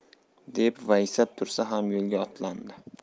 deb vaysab tursa ham yo'lga otlandi